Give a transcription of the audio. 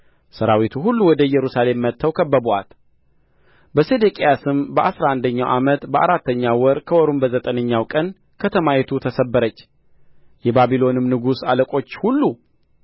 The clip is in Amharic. ሠራዊቱ ሁሉ ወደ ኢየሩሳሌም መጥተው ከበቡአት በሴዴቅያስም በአሥራ አንደኛው ዓመት በአራተኛው ወር ከወሩም በዘጠነኛው ቀን ከተማይቱ ተሰበረች የባቢሎንም ንጉሥ አለቆች ሁሉ